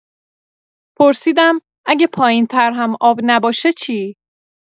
پرسیدم: «اگه پایین‌تر هم آب نباشه چی؟»